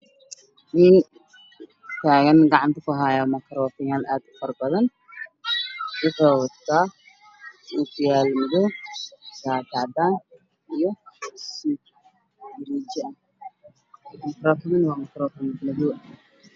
Nin taagan gacanta ku haayo makaroofanyaal fara badan wuxuu wataa ookiyaalo madow shaati cadaan io suud Burundi ah makarofanada waa madow